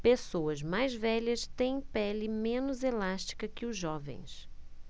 pessoas mais velhas têm pele menos elástica que os jovens